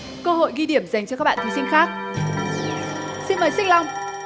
cơ hội ghi điểm dành cho các bạn thí sinh khác xin mời xích long